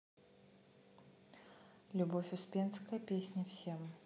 любовь успенская песня всем